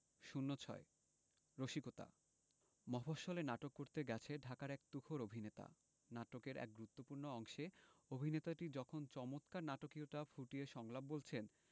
০৬ রসিকতা মফশ্বলে নাটক করতে গেছে ঢাকার এক তুখোর অভিনেতা নাটকের এক গুরুত্তপূ্র্ণ অংশে অভিনেতাটি যখন চমৎকার নাটকীয়তা ফুটিয়ে সংলাপ বলছেন